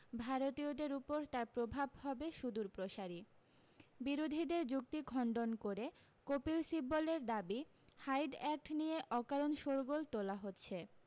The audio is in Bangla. ভারতীয়দের উপর তার প্রভাব হবে সুদূর প্রসারী বিরোধীদের যুক্তি খণডন করে কপিল সিব্বলের দাবি হাইড অ্যাক্ট নিয়ে অকারণ শোরগোল তোলা হচ্ছে